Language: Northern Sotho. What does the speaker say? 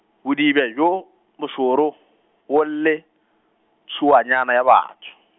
bodiba bjo bošoro, bo lle, tšhuanyana ya batho.